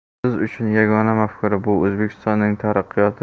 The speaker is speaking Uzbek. biz uchun yagona mafkura bu o'zbekistonning taraqqiyoti